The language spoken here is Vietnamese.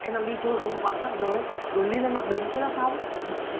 em đang đi chơi với một bạn khác giới rồi lia lên mặt mình thế là xong